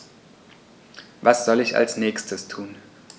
Was soll ich als Nächstes tun?